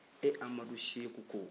e amadu seku ko